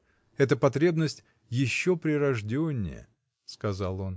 эта потребность еще прирожденнее. — сказал он.